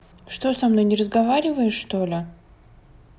что со мной не разговариваешь что ли